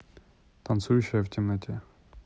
танцующая в темноте